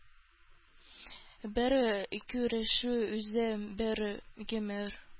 Бер күрешү үзе бер гомер.